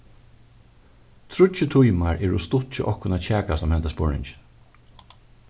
tríggir tímar eru ov stutt hjá okkum at kjakast um handa spurningin